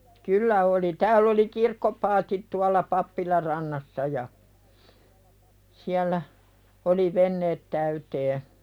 kyllä oli täällä oli kirkkopaatit tuolla pappilan rannassa ja siellä oli veneet täyteen